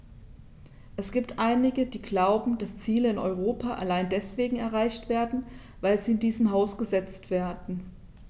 Es gibt einige, die glauben, dass Ziele in Europa allein deswegen erreicht werden, weil sie in diesem Haus gesetzt werden.